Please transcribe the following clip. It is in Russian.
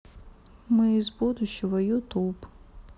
мы из будущего ютуб